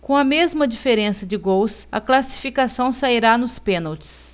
com a mesma diferença de gols a classificação sairá nos pênaltis